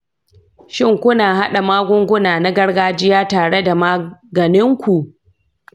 shin, kuna haɗa magunguna na gargajiya tare da maganin ku?